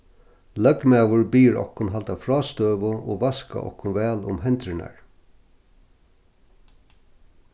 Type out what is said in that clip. løgmaður biður okkum halda frástøðu og vaska okkum væl um hendurnar